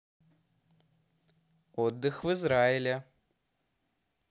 отдых в израиле